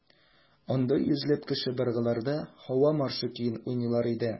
Анда йөзләп кеше быргыларда «Һава маршы» көен уйныйлар иде.